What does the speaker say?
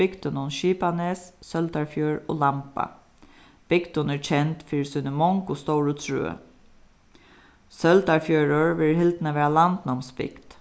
bygdunum skipanes søldarfjørð og lamba bygdin er kend fyri síni mongu stóru trø søldarfjørður verður hildin at vera landnámsbygd